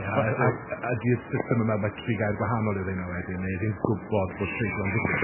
Ie, a- a- a- ydi'r system yma, mae tri gair gwahanol yw reina wedyn, neu ydi e'n gwbod bod treiglo'n digwydd?